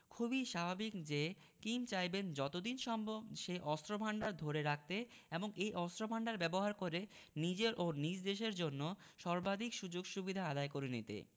খুবই স্বাভাবিক যে কিম চাইবেন যত দিন সম্ভব সে অস্ত্রভান্ডার ধরে রাখতে এবং এই অস্ত্রভান্ডার ব্যবহার করে নিজের ও নিজ দেশের জন্য সর্বাধিক সুযোগ সুবিধা আদায় করে নিতে